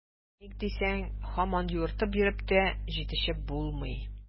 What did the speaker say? Ник дисәң, һаман юыртып йөреп тә җитешеп булмый.